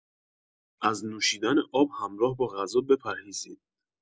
از نوشیدن آب همراه با غذا بپرهیزید.